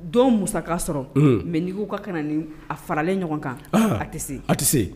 Don musaka sɔrɔ unhun mais n'i ko k'a kana ni n a faralen ɲɔgɔn kan ahaa a te se a te se